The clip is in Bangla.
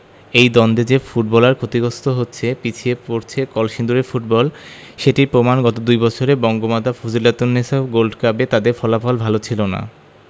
এই দ্বন্দ্বে যে ফুটবলাররা ক্ষতিগ্রস্ত হচ্ছে পিছিয়ে পড়ছে কলসিন্দুরের ফুটবল সেটির প্রমাণ গত দুই বছরে বঙ্গমাতা ফজিলাতুন্নেছা গোল্ড কাপে তাদের ফলাফল ভালো ছিল না